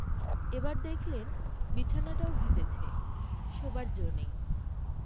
এবার দেখলেন বিছানাটাও ভিজেছে শোবার জো নেই